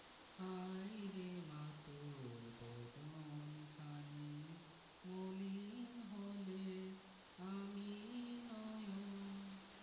হায়রে মা তোর বদন খানি মলিন হলে ওমা আমি নয়ন